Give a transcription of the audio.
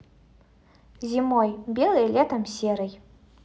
зимой белый летом серый